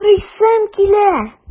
Карыйсым килә!